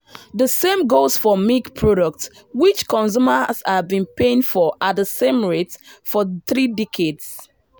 The same goes for milk products, which consumers been paying for at the same rate for three decades.